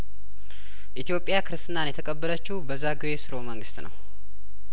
ኢትዮጵያ ክርስትናን የተቀበለችው በዛጔ ስርወ መንግስት ነው